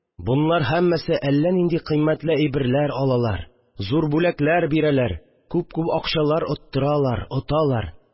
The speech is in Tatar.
Бонлар һәммәсе әллә нинди кыйммәтле әйберләр алалар, зур бүләкләр бирәләр, күп-күп акчалар оттыралар, оталар